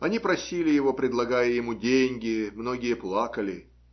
Они просили его, предлагая ему деньги. Многие плакали.